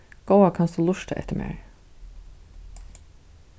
góða kanst tú lurta eftir mær